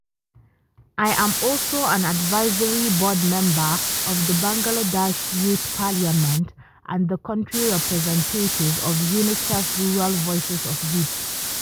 I am also an advisory board member of the Bangladesh Youth Parliament, and the Country Representative of UNICEF Rural Voices of Youth.